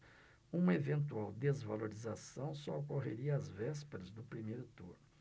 uma eventual desvalorização só ocorreria às vésperas do primeiro turno